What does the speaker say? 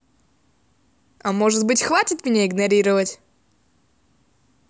а может быть хватит меня игнорировать